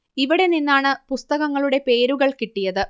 ഇവിടെ നിന്നാണ് പുസ്തകങ്ങളുടെ പേരുകൾ കിട്ടിയത്